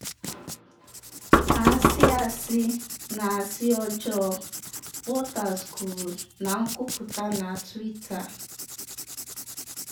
“Asị, asị, na asị ọjọọ,” Waters kwuru na nkwuputa na Twitter.